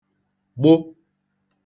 gbụ